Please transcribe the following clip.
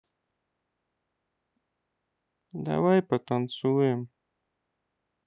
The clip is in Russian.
давай потанцуем